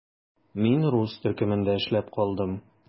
Мин рус төркемендә эшләп калдым.